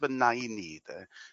fy nain i 'de